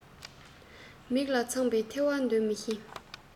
མིག ལ འཚངས པའི ཐལ བ འདོན མི ཤེས